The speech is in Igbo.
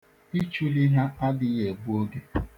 Ichuli ha adịghị egbu oge.